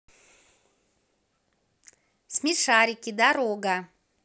смешарики дорога